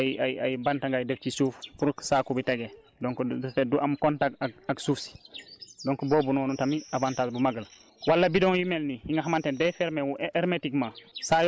warul demee noonu da nga koo dafa war a yëkkatiku soit nga xool ay ay ay bant nga def ci suuf pour saako bi tege donc de fait du am contact ak ak suuf si donc boobu noonu tamit avantage bu mag la